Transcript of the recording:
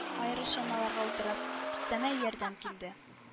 Аэрочаналарга утырып өстәмә ярдәм килде